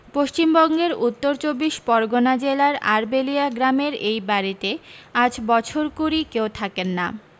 পশ্চিমবঙ্গের উত্তর চব্বিশ পরগণা জেলার আড়বেলিয়া গ্রামের এই বাড়ীতে আজ বছর কুড়ি কেউ থাকেন না